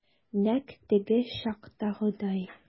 Нәкъ теге чактагыдай.